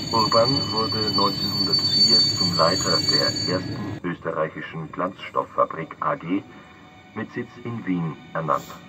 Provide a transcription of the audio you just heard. Urban wurde 1904 zum Leiter der Ersten Österreichischen Glanzstoff-Fabrik AG mit Sitz in Wien ernannt